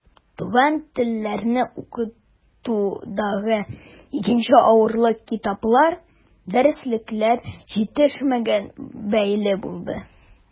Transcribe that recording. Туган телләрне укытудагы икенче авырлык китаплар, дәреслекләр җитешмәүгә бәйле булды.